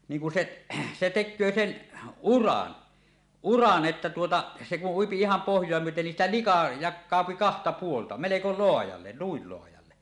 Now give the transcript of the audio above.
niin kun se se tekee sen uran uran että tuota se kun ui ihan pohjaa myöten niin siitä lika jakautuu kahta puolta melko laajalle noin laajalle